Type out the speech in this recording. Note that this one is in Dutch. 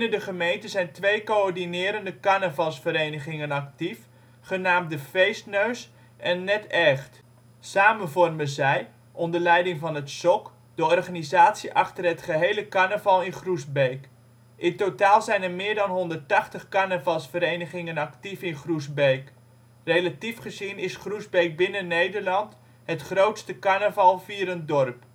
de gemeente zijn twee cöordinerende carnavalsverenigingen actief, genaamd De Feestneus en Net Aecht. Samen vormen zij, onder leiding van het Sok, de organisatie achter de gehele carnaval in Groesbeek. In totaal zijn er meer dan 180 carnavalsverenigingen actief in Groesbeek. Relatief gezien is Groesbeek binnen Nederland het grootste carnaval-vierend dorp